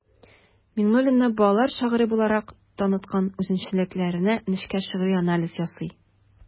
Миңнуллинны балалар шагыйре буларак таныткан үзенчәлекләренә нечкә шигъри анализ ясый.